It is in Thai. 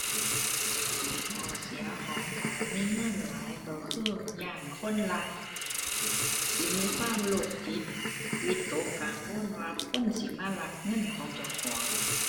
ข้อเสียของการมีเงินหลายก็คือ ย้านคนลัก สิมีความโรคจิต วิตกกังวลว่าคนสิมาลักเงินของเจ้าของ